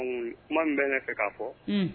Kuma min bɛ ne fɛ kaa fɔ